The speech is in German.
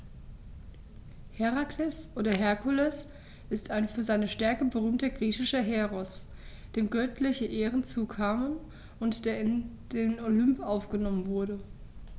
Herakles oder Herkules ist ein für seine Stärke berühmter griechischer Heros, dem göttliche Ehren zukamen und der in den Olymp aufgenommen wurde.